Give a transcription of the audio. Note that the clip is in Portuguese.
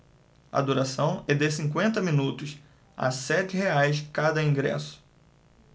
a duração é de cinquenta minutos a sete reais cada ingresso